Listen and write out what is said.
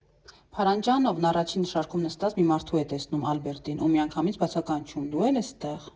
Փարաջանովն առաջին շարքում նստած մի մարդու է տեսնում՝ Ալբերտին, ու միանգամից բացականչում՝ «Դու է՞լ ես ստեղ»։